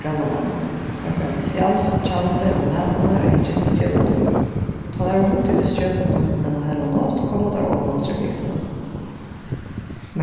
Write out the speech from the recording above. grannalagnum teir fara til fjals við tjaldi um næturnar at hyggja eftir stjørnum tá teir hava hugt eftir stjørnunum eina heila nátt koma teir oman aftur í bygdina